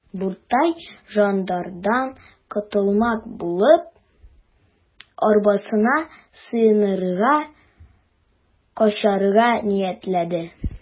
Буртай жандардан котылмак булып, арбасына сыенырга, качарга ниятләде.